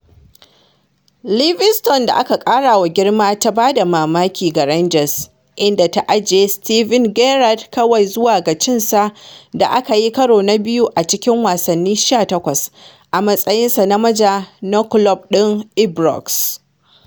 Livingston da aka ƙara wa girma ta ba da mamaki ga Rangers inda ta ajiye Steven Gerrard kawai zuwa ga cinsa da aka yi karo na biyu a cikin wasanni 18 a matsayinsa na manaja na kulob ɗin Ibrox.